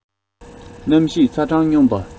གནམ གཤིས ཚ གྲང སྙོམས པ